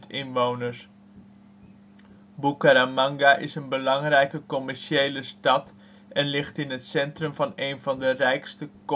inwoners. Bucaramanga is een belangrijke commerciële stad en ligt in het centrum van een van de rijkste